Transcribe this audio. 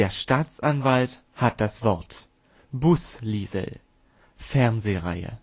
Staatsanwalt hat das Wort: Busliesel (Fernsehreihe